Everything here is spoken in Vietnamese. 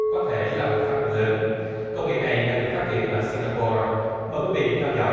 có thể là một phát minh lớn công nghệ này đang được phát hiện ở sinh ga po mời quý vị theo dõi